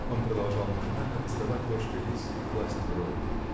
Он продолжал машинально доставать ложкой рис и класть в рот.